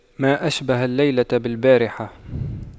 ما أشبه الليلة بالبارحة